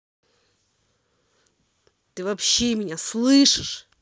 ты вообще меня слышишь